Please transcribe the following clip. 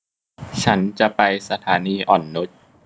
ฉันจะไปสถานีอ่อนนุช